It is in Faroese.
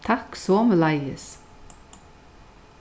takk somuleiðis